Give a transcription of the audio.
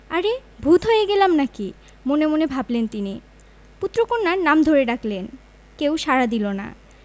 আরে ভূত হয়ে গেলাম নাকি মনে মনে ভাবলেন তিনি পুত্র কন্যার নাম ধরে ডাকলেন কেউ সাড়া দিল না